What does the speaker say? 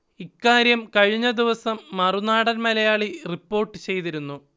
ഇക്കാര്യം കഴിഞ്ഞ ദിവസം മറുനാടൻ മലയാളി റിപ്പോർട്ട് ചെയ്തിരുന്നു